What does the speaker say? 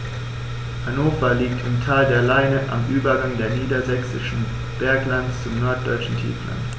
Hannover liegt im Tal der Leine am Übergang des Niedersächsischen Berglands zum Norddeutschen Tiefland.